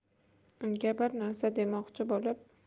unga bir narsa demoqchi bo'lib